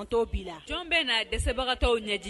La bɛɛ na dɛsɛbagatɔw ɲɛ